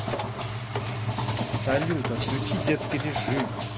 салют отключи детский режим